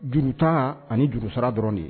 Juru ta ani jurusa dɔrɔn de ye